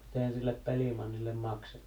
mitenhän sille pelimannille maksettiin